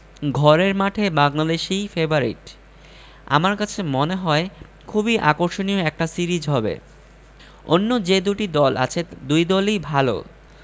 ঘরের মাঠে বাংলাদেশই ফেবারিট আমার কাছে মনে হয় খুবই আকর্ষণীয় একটা সিরিজ হবে অন্য যে দুটি দল আছে দুই দলই ভালো